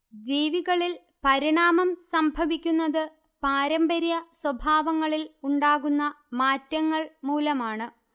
ജീവികളിൽ പരിണാമം സംഭവിക്കുന്നത് പാരമ്പര്യസ്വഭാവങ്ങളിൽ ഉണ്ടാകുന്ന മാറ്റങ്ങൾ മൂലമാണ്